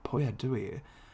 Pwy ydw i?